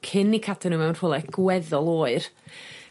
cyn 'u cadw n'w mewn rhwle gweddol oer.